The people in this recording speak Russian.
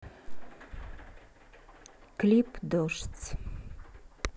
клип дождь